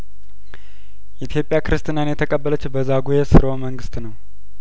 ኢትዮጵያ ክርስትናን የተቀበለችው በዛጔ ስርወ መንግስት ነው